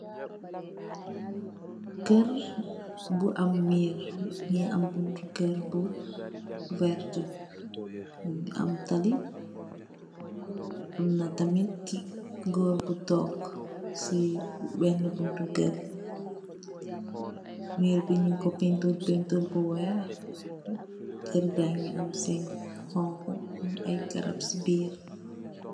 Keur bu am miir, mungi am buntu keur bu werta, am tally , am na tamit goor bu toog si benn buntu keur. Miir bi nyunko pentirr pentirr bu weex, keur gangi am sengg bu xonxu am ay garapp ci biir.